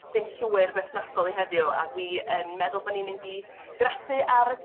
sy'n llwyr berthnasol i heddiw a dwi yn meddwl bo' ni'n mynd i graffu ar y